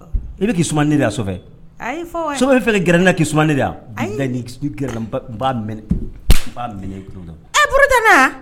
I be k'i suma ni ne de ye a Sɔfɛ ayi fɔɔ wayi Sɔfɛ e be fɛ k'i gɛrɛ ne la k'i suma ni ne de ye a ayii bilahi n'i ks n'i gɛrɛla n b'a n b'a mɛnɛ n b'a mɛnɛ i kulo la ee Burutanaa